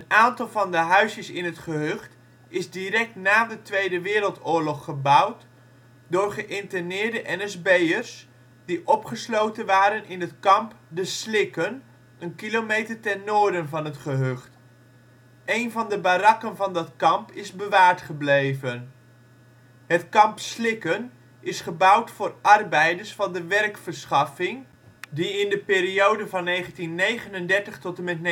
aantal van de huisjes in het gehucht is direct na de Tweede Wereldoorlog gebouwd door geïnterneerde NSB-ers, die opgesloten waren in het kamp de Slikken een kilometer ten noorden van het gehucht. Een van de barakken van dat kamp is bewaard gebleven. Het kamp Slikken is gebouwd voor arbeiders van de werkverschaffing die de in de periode van 1939 tot en met 1945